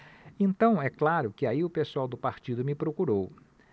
então é claro que aí o pessoal do partido me procurou